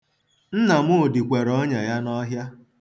Nnamdị kwere ọnya ya n'ọhịa.